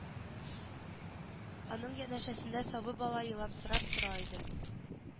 Аның янәшәсендә сабый бала еламсырап тора иде